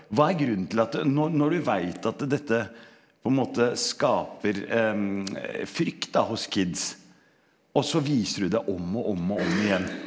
hva er grunnen til at nå når du veit at dette på en måte skaper frykt da hos kids, også viser du det om og om og om igjen.